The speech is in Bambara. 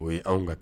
O ye anw ka